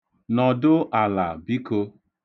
Nọdụ ala, biko.